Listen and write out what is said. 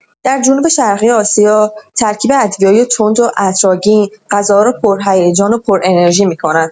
در جنوب‌شرقی آسیا، ترکیب ادویه‌های تند و عطرآگین، غذاها را پرهیجان و پر از انرژی می‌کند.